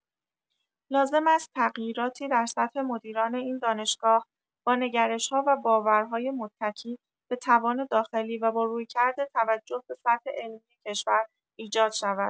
لازم است تغییراتی در سطح مدیران این دانشگاه با نگرش‌ها و باورهای متکی به توان داخلی و با رویکرد توجه به سطح علمی کشور ایجاد شود.